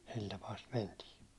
sillä tapaa sitä mentiin